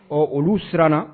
Ɔ olu siranna